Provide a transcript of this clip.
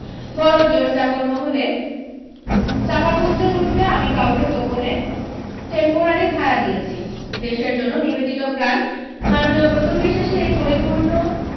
বড় জোর চাকর মহলে চাপা গুঞ্জন উঠবে আমি কাউকে গোপনে টেমপোরারি ভাড়া দিয়েছি দেশের জন্য নিবেদিত প্রাণ মাননীয় প্রতুল বিশ্বাসের এই পরিপূরণ